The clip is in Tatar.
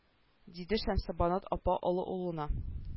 Диде шәмсебанат апа олы улына